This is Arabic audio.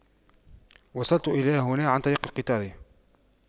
وصلت إلى هنا عن طريق القطار